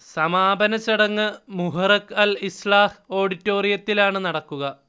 സമാപനച്ചടങ്ങ് Muharraq Al Islah ഓഡിറ്റോറിയത്തിലാണ് നടക്കുക